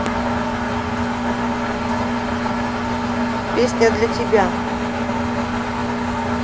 песня для тебя